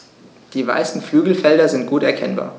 Die weißen Flügelfelder sind gut erkennbar.